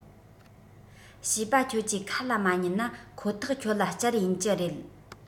བྱིས པ ཁྱོད ཀྱིས ཁ ལ མ ཉན ན ཁོ ཐག ཁྱོད ལ གཅར ཡིན གྱི རེད